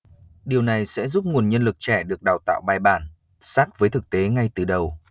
điều này sẽ giúp nguồn nhân lực trẻ được đào tạo bài bản sát với thực tế ngay từ đầu